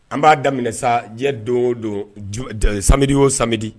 An b'a daminɛmin sa diɲɛ don don sari oo samdi